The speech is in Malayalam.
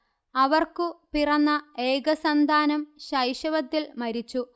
അവർക്കു പിറന്ന ഏകസന്താനം ശൈശവത്തിൽ മരിച്ചു